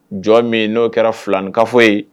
Jɔn min n'o kɛra filan kafo ye